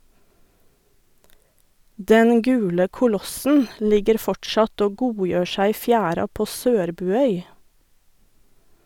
Den gule kolossen ligger fortsatt og godgjør seg i fjæra på Sørbuøy.